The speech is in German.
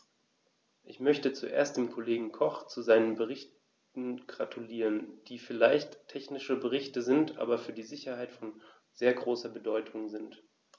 Ich möchte zuerst dem Kollegen Koch zu seinen Berichten gratulieren, die vielleicht technische Berichte sind, aber für die Sicherheit von sehr großer Bedeutung sind.